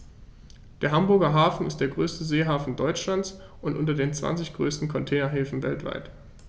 Der Hamburger Hafen ist der größte Seehafen Deutschlands und unter den zwanzig größten Containerhäfen weltweit.